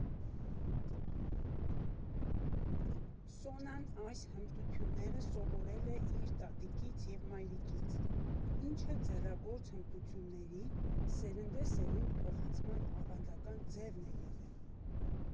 Սոնան այս հմտությունները սովորել է իր տատիկից և մայրիկից, ինչը ձեռագործ հմտությունների՝ սերնդեսերունդ փոխանցման ավանդական ձևն է եղել։